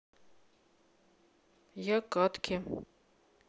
я катки